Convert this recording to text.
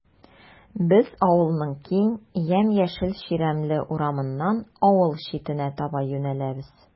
Без авылның киң, ямь-яшел чирәмле урамыннан авыл читенә таба юнәләбез.